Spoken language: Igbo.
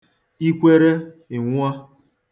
I kwere, ị nwụọ.